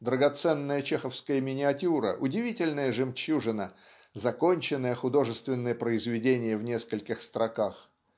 драгоценная чеховская миниатюра, удивительная жемчужина, законченное художественное произведение в нескольких строках